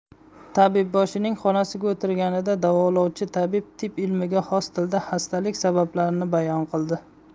tabibboshining xonasida o'tirganida davolovchi tabib tib ilmiga xos tilda xastalik sabablarini bayon qildi